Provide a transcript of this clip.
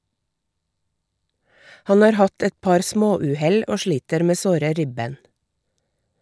Han har hatt et par småuhell og sliter med såre ribben.